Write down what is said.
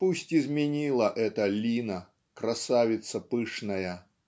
Пусть изменила эта Лина, красавица пышная.